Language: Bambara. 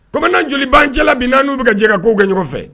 Kom joli bancɛ bi naani bɛ ka jɛ ka k' kɛ ɲɔgɔn fɛ